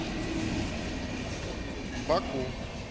баку